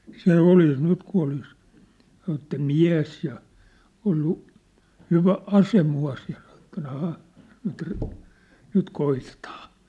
se olisi nyt kun olisi sanoi että mies ja ollut hyvä ase mukana ja -- ahaa nyt - nyt koitetaan